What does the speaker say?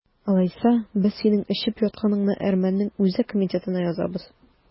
Алайса, без синең эчеп ятканыңны әрмәннең үзәк комитетына язабыз!